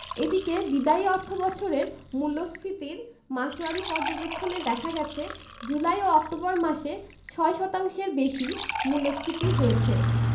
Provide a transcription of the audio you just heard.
এদিকে বিদায়ী অর্থবছরের মূল্যস্ফীতির মাসওয়ারি পর্যবেক্ষণে দেখা গেছে জুলাই ও অক্টোবর মাসে ৬ শতাংশের বেশি মূল্যস্ফীতি হয়েছে